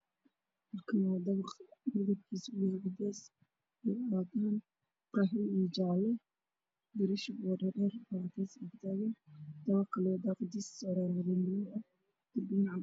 Kan waa dabaq midab kiisu yahay cadeys